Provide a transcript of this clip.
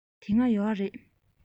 དེ སྔ ཡོད རེད